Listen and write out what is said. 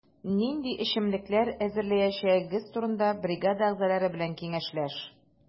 Нинди эчемлекләр әзерләячәгегез турында бригада әгъзалары белән киңәшләш.